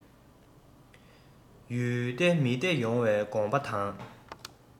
ཡུལ བདེ མི བདེ ཡོངས པའི དགོངས པ དང